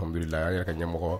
Alihamidulila an yɛrɛ ka ɲɛmɔgɔ